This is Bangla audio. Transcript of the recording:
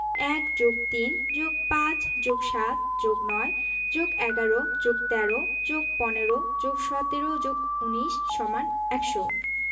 ১+৩+৫+৭+৯+১১+১৩+১৫+১৭+১৯=১০০